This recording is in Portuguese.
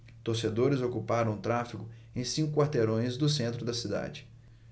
torcedores ocuparam o tráfego em cinco quarteirões do centro da cidade